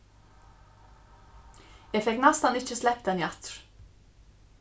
eg fekk næstan ikki slept henni aftur